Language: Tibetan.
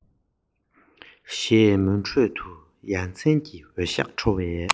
གཅུང མོའི ཁ ཆུ དག སྐེ ནས